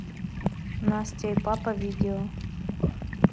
настя и папа видео